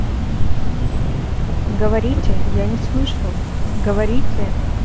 говорите я не слышу говорите